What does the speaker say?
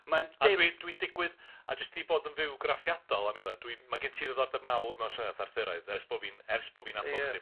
Ma'n de-... A dwi dwi'n digwydd... A jyst i bod yn fywgraffiadol am eiliad, dwi'n ma' gen ti ddiddordeb mawr mewn llenyddiaeth Arthuraidd ers bo' fi'n ers bo' fi'n nabod chdi. Ie.